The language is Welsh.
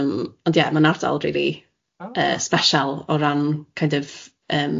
...yym ond ie ma'n ardal rili yy sbesial o ran kind of yym,